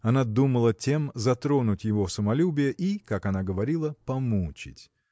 Она думала тем затронуть его самолюбие и, как она говорила, помучить.